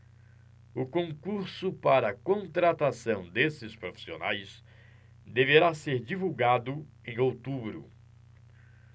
o concurso para contratação desses profissionais deverá ser divulgado em outubro